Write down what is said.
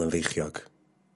...yn feichiog.